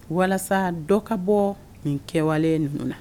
Walasa dɔ ka bɔ nin kɛwale ninnu na.